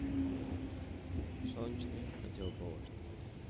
солнечная противоположность